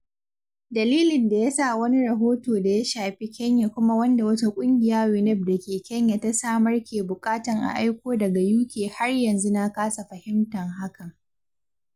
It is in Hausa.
Dalilin da yasa wani rahoto da ya shafi Kenya kuma wanda wata ƙungiya (UNEP) da ke Kenya ta samar ke buƙatan a aiko daga UK har yanzu na kasa fahimtan hakan.